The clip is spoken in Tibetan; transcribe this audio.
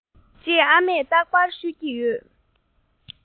ཅེས ཨ མས རྟག པར ཤོད ཀྱི ཡོད